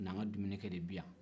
n'an ka duminikɛ de bɛ yan